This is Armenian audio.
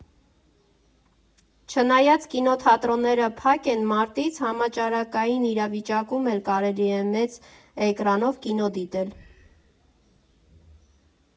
Չնայած կինոթատրոնները փակ են մարտից, համաճարակային իրավիճակում էլ կարելի է մեծ էկրանով կինո դիտել.